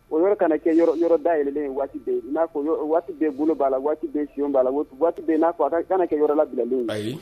O yɔrɔ ka kɛ yɔrɔ da yɛlɛlen ye waatiden yen n'a fɔ waati bɛ bolo b'a la waati fiɲɛ b'a la o waati n'a a kana kɛ yɔrɔ labilanen